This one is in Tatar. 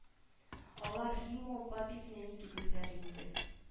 Алар римма апа бик нәни түгелләр инде